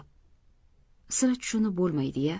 sira tushunib bo'lmaydi ya